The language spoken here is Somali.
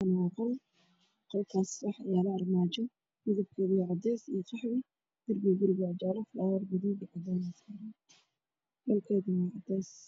Halkani waa qol wx yaalo ramaajo midabkeeydu yahy cadays iyo qaxwi